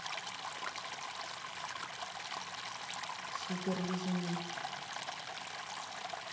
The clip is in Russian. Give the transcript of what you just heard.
супер лизуны